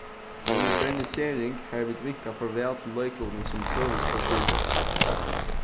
eina modernisering har vit vinka farvæl til leiklutin sum høvuðsforsyrgjari